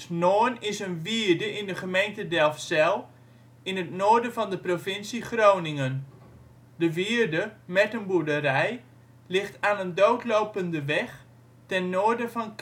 Noorn is een wierde in de gemeente Delfzijl in het noorden van de provincie Groningen. De wierde, met een boerderij, ligt aan een doodlopende weg, ten noorden van